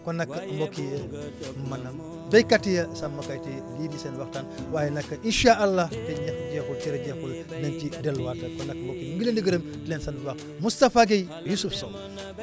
kon nag mbokk yi maanaam baykat yi sàmmkat yi lii di seen waxtaan waaye nag insaa àllaa feeg ñeex jeexul cere jeexul dinañ ci delluwaat nag kon nag mbokk yi ñu ngi leen gërëm di leen sant bu baax a baax Moustapha Guèye Youssouphe Sow